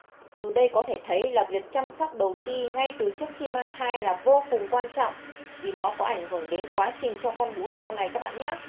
từ đây có thể thấy là việc chăm sóc đầu ti ngay từ trước khi mang thai là vô cùng quan trọng vì nó ảnh hưởng đến quá trình cho con bú sau này các bạn nhé